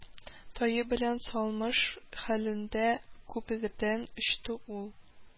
Тае белән салмыш хәлендә күпердән очты ул